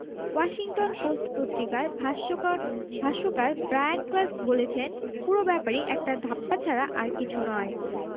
Washington Post পত্রিকার ভাষ্যকা ভাষ্যকার ব্রায়ান ক্লাস বলেছেন পুরো ব্যাপারই একটা ধাপ্পা ছাড়া আর কিছু নয়